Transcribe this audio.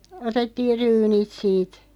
otettiin ryynit siitä